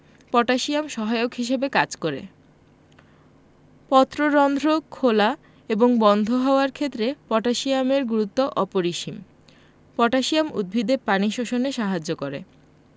potassium সহায়ক হিসেবে কাজ করে পত্ররন্ধ্র খোলা এবং বন্ধ হওয়ার ক্ষেত্রে পটাশিয়ামের গুরুত্ব অপরিসীম পটাশিয়াম উদ্ভিদে পানি শোষণে সাহায্য করে